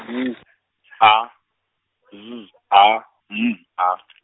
W, A, Z, A, M, A .